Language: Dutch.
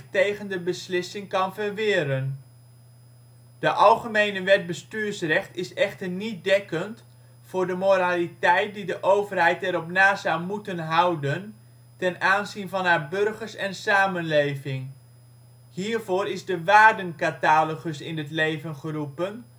tegen de beslissing kan verweren. De Algemene wet bestuursrecht is echter niet dekkend voor de moraliteit die de overheid erop na zou moetenhouden ten aanzien van haar burgers en samenleving. Hiervoor is de waardencatalogus in het leven geroepen